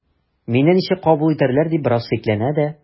“мине ничек кабул итәрләр” дип бераз шикләнә дә.